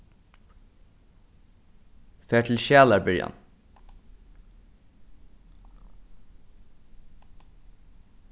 far til skjalarbyrjan